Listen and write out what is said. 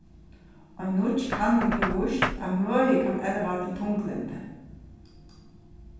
ein nýggj kanning hevur víst at møði kann elva til tunglyndi